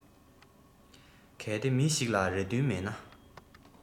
གལ ཏེ མི ཞིག ལ རེ འདུན མེད ན